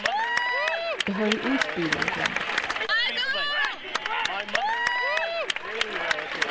eg hoyri ísbilin koma